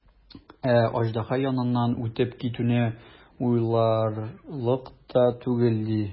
Ә аждаһа яныннан үтеп китүне уйларлык та түгел, ди.